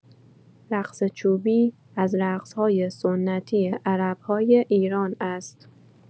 رقص چوبی از رقص‌های سنتی عرب‌های ایران است.